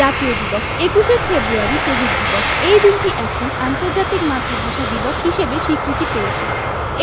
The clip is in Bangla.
জাতীয় দিবসঃ ২১শে ফেব্রুয়ারি শহীদ দিবস এই দিনটি এখন আন্তর্জাতিক মাতৃভাষা দিবস হিসেবে স্বীকৃতি পেয়েছে